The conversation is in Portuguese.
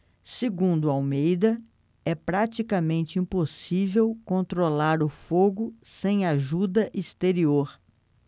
segundo almeida é praticamente impossível controlar o fogo sem ajuda exterior